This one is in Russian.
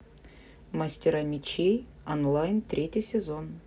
мастера мечей онлайн третий сезон